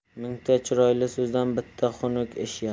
mingta chiroyli so'zdan bitta xunuk ish yaxshi